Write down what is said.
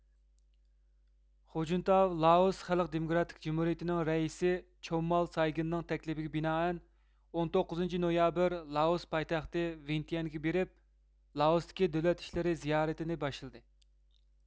خۇجىنتاۋ لائوس خەلق دېموكراتىك جۇمھۇرىيىتىنىڭ رەئىسى چوممال سايگىننىڭ تەكلىپىگە بىنائەن ئون توققۇزىنچى نويابىر لائوس پايتەختى ۋىنتىيەنگە بېرىپ لائوستىكى دۆلەت ئىشلىرى زىيارىتىنى باشلىدى